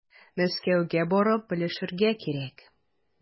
Мәскәүгә барып белешергә кирәк.